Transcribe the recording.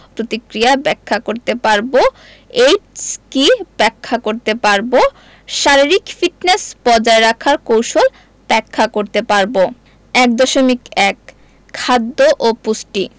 প্রতিক্রিয়া ব্যাখ্যা করতে পারব এইডস কী ব্যাখ্যা করতে পারব শারীরিক ফিটনেস বজায় রাখার কৌশল ব্যাখ্যা করতে পারব ১.১ খাদ্য ও পুষ্টি